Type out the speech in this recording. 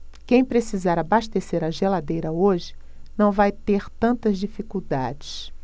quem precisar abastecer a geladeira hoje não vai ter tantas dificuldades